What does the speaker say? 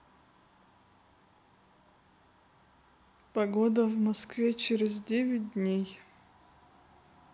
погода в москве через девять дней